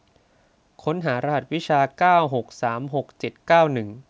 ค้นหารหัสวิชาเก้าหกสามหกเจ็ดเก้าหนึ่ง